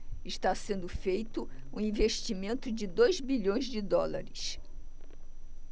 está sendo feito um investimento de dois bilhões de dólares